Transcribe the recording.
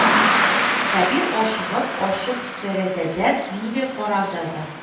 Сабир, ашыгып, ачык тәрәзәдән нидер карады да: